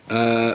Yyy